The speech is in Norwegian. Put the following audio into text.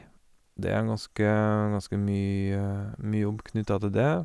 Det er en ganske ganske mye mye jobb knytta til det.